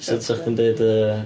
Sut 'sech chdi'n deud yy?